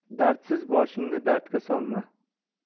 dardsiz boshingni dardga solma